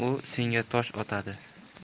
u senga tosh otadi